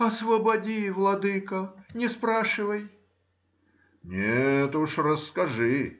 — Освободи, владыко, не спрашивай. — Нет уж, расскажи.